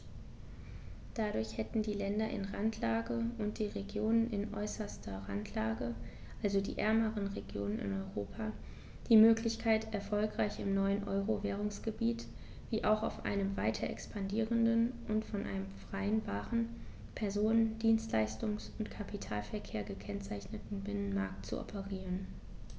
Dadurch hätten die Länder in Randlage und die Regionen in äußerster Randlage, also die ärmeren Regionen in Europa, die Möglichkeit, erfolgreich im neuen Euro-Währungsgebiet wie auch auf einem weiter expandierenden und von einem freien Waren-, Personen-, Dienstleistungs- und Kapitalverkehr gekennzeichneten Binnenmarkt zu operieren.